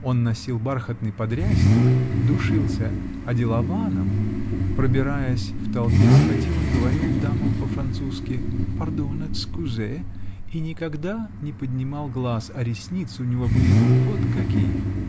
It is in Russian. Он носил бархатный подрясник, душился оделаваном, пробираясь в толпе с кадилом, говорил дамам по-французски: "пардон, экскюзе" -- и никогда не поднимал глаз, а ресницы у него были вот какие!